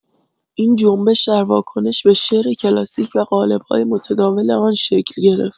این جنبش در واکنش به شعر کلاسیک و قالب‌های متداول آن شکل گرفت.